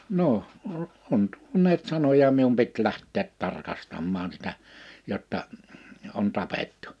no - on tuoneet sanoja minun piti lähteä tarkastamaan sitä jotta on tapettu